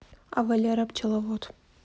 а валера пчеловод